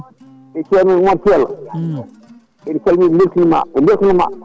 e ceerno Oumar Selo eɓe beltinima ɓe beltinima